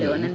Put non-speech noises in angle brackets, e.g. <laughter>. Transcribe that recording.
<hesitation> <hesitation>